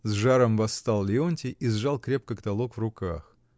— с жаром восстал Леонтий и сжал крепко каталог в руках.